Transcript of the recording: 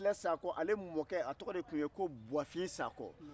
bɛtilɛn sakɔ ale mɔkɛ a tɔgɔ de tun ye ko buwafin sakɔ